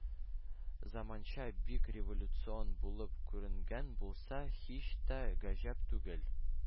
Заманча бик революцион булып күренгән булса, һич тә гаҗәп түгел